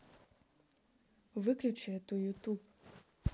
выключи эту youtube